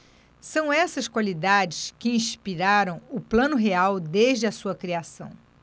são essas qualidades que inspiraram o plano real desde a sua criação